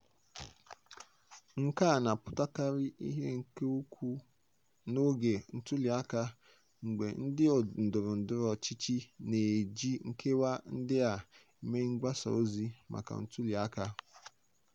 Nke a na-apụtakarị ihe nke ukwuu n'oge ntuliaka mgbe ndị ndọrọndọrọ ọchịchị na-eji nkewa ndị a eme mgbasa ozi maka ntuliaka.